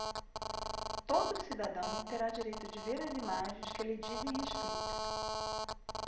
todo cidadão terá direito de ver as imagens que lhe dizem respeito